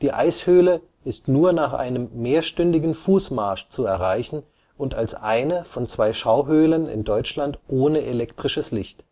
Eishöhle ist nur nach einem mehrstündigen Fußmarsch zu erreichen und als eine von zwei Schauhöhlen in Deutschland ohne elektrisches Licht